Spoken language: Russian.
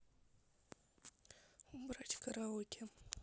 убрать караоке